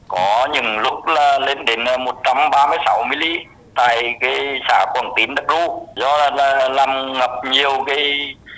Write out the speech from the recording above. có những lúc là lên đến một trăm ba mươi sáu mi li tại cái xã quận tím đắc đu do làm ngập nhiều cái